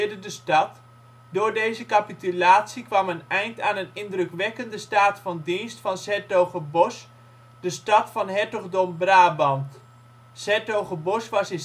de stad. Door deze capitulatie kwam een eind aan een indrukwekkende staat van dienst van ' s-Hertogenbosch, de stad van Hertogdom Brabant. ' s-Hertogenbosch was